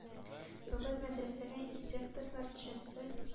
-бүген мәдрәсәгә инспектор төшәсе.